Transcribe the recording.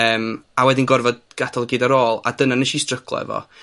Yym a wedyn gorfod gadal o gyd ar ôl, a dyna nesh i stryglo efo.